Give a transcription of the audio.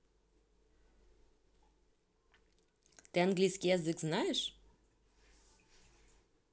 ты английский язык знаешь